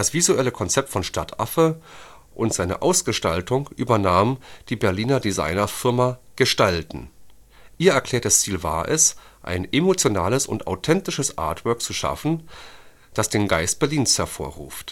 visuelle Konzept von Stadtaffe und seine Ausgestaltung übernahm die Berliner Designfirma Gestalten. Ihr erklärtes Ziel war es, „ ein emotionales und authentisches Artwork zu schaffen, das den Geist Berlins hervorruft